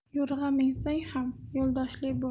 yo'rg'a minsang ham yo'ldoshli bo'l